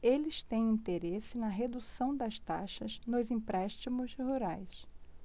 eles têm interesse na redução das taxas nos empréstimos rurais